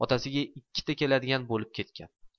otasiga ikkita keladigan bo'lib ketgan